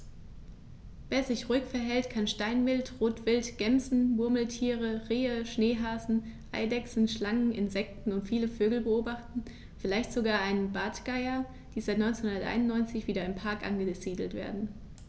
Wer sich ruhig verhält, kann Steinwild, Rotwild, Gämsen, Murmeltiere, Rehe, Schneehasen, Eidechsen, Schlangen, Insekten und viele Vögel beobachten, vielleicht sogar einen der Bartgeier, die seit 1991 wieder im Park angesiedelt werden.